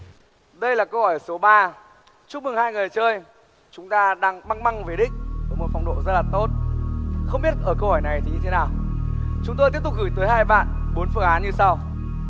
đây là câu hỏi số ba chúc mừng hai người chơi chúng ta đang băng băng về đích với một phong độ rất là tốt không biết ở câu hỏi này thì như thế nào chúng tôi tiếp tục gửi tới hai bạn bốn phương án như sau